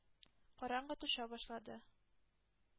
Караңгы төшә башлады